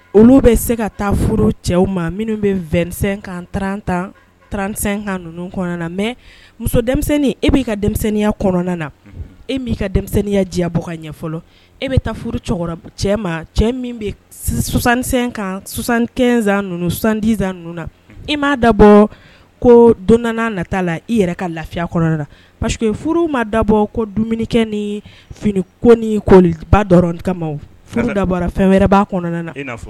Olu bɛ se ka taa furu cɛ ma minnu bɛ kan tran tan tran ninnu na mɛ muso denmisɛnnin e'i ka denmisɛnninya na e'i ka denmisɛnninyaya bɔ ka fɔlɔ e bɛ taa furu cɛ ma cɛ min bɛ kansanɛn ninnu sandi zan ninnu na i m'a dabɔ ko don nata la i yɛrɛ ka lafiya kɔnɔn na pa furu ma dabɔ ko dumunikɛ ni fini ko ni koba dɔrɔn kamama dabɔ fɛn wɛrɛba na